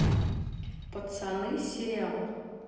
пацаны сериал